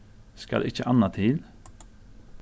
skal ikki annað til